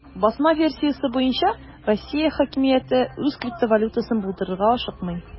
Басма версиясе буенча, Россия хакимияте үз криптовалютасын булдырырга ашыкмый.